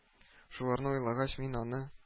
Шуларны уйлагач, мин аны